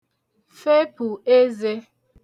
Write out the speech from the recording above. fepụ̀ ezē